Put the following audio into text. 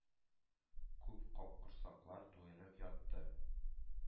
Күп капкорсаклар туенып ятты.